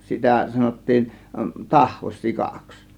sitä sanottiin tahvos sikaksi